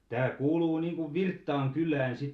tämä kuuluu niin kuin Virttaan kylään sitten